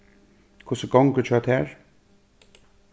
hvussu gongur hjá tær